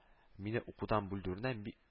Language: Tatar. Мине укудан бүлдерүенә би